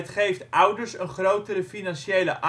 geeft ouders een grotere financiële